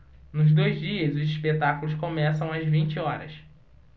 nos dois dias os espetáculos começam às vinte horas